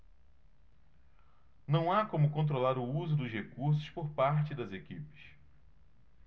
não há como controlar o uso dos recursos por parte das equipes